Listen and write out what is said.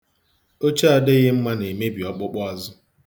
Oche adịghị mma na-emebi ọkpụkpụazụ.